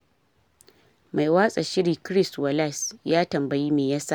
Mai watsa shiri Chris Wallace ya tambayi me yasa.